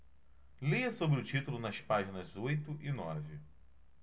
leia sobre o título nas páginas oito e nove